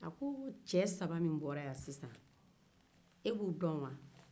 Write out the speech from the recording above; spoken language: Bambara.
a ko cɛ saba minnu bɔra yan sisan e b'u dɔn wa